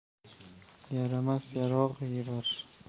yaramas yarog' yig'ar